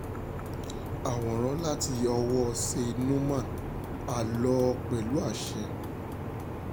Àwòrán láti ọwọ́ọ Syed Noman. A lò ó pẹ̀lú àṣẹ.